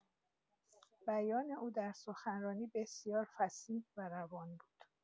بیان او در سخنرانی بسیار فصیح و روان بود.